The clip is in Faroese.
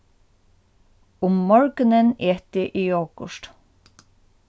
um morgunin eti eg jogurt